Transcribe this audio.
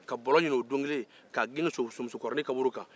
ka bɔlɔ ɲini o don kelen ka gengen somusokɔrɔnin kaburu kan